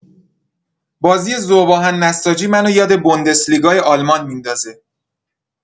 بازی ذوب‌آهن نساجی منو یاد بوندسلیگا آلمان میندازه